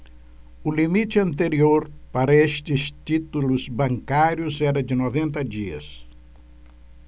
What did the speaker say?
o limite anterior para estes títulos bancários era de noventa dias